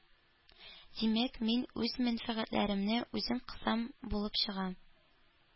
Димәк, мин үз мәнфәгатьләремне үзем кысам булып чыга,